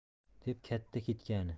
deb katta ketgani